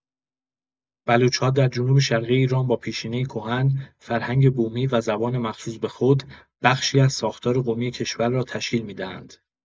بلوچ‌ها در جنوب‌شرقی ایران با پیشینه‌ای کهن، فرهنگ بومی و زبان مخصوص به خود، بخشی از ساختار قومی کشور را تشکیل می‌دهند.